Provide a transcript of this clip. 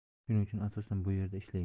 shuning uchun asosan bu yerda ishlaymiz